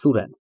ՍՈՒՐԵՆ ֊